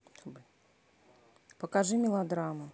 покажи мелодраму